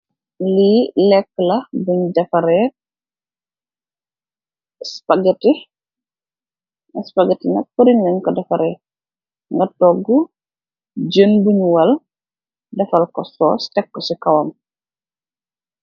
Li lekka la buñ defarr reh ispakeri, ispakeri nak fariñ lanko defarr reh, nga tóógu jén buñ wal defal ko sóós tek ko ci kawam.